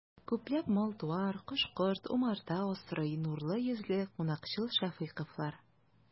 Күпләп мал-туар, кош-корт, умарта асрый нурлы йөзле, кунакчыл шәфыйковлар.